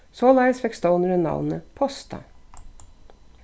soleiðis fekk stovnurin navnið posta